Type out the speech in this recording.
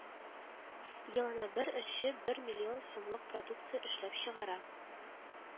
Елына бер эшче бер миллион сумлык продукция эшләп чыгара